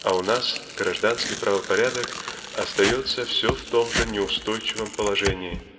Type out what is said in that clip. а у нас гражданский правопорядок остается все в том же неустойчивом положении.